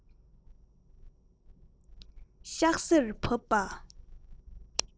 ཤག སེར བབས པ